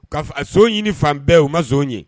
Ka a so ɲini fan bɛɛ u mazɔn ye